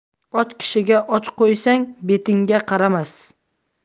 och kishiga osh qo'ysang betingga qaramas